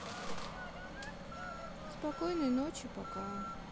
спокойной ночи пока